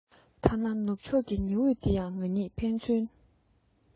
ཐ ན ནུབ ཕྱོག ཀྱི ཉི འོད འདི ཡང ང གཉིས ཕན ཚུན